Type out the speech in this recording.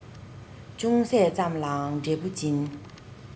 ཅུང ཟད ཙམ ལའང འབྲས བུ འབྱིན